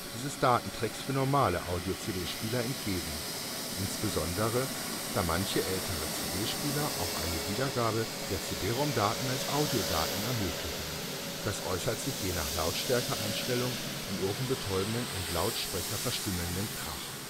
dieses Daten-Tracks für normale Audio-CD-Spieler entgegen – insbesondere, da manche ältere CD-Spieler auch eine Wiedergabe der CD-ROM-Daten als Audio-Daten ermöglichen. Das äußert sich je nach Lautstärke-Einstellung in ohrenbetäubendem und lautsprecherverstümmeldem Krach